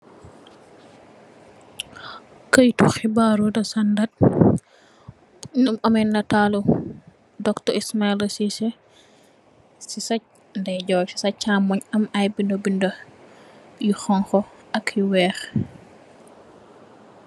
Keyti xibaaru da standard num ame netalu Dr Ismalia Ceesay ci sax ndeyjoor si sax cxamun am ay binda binda yu xonxa ak yu weex.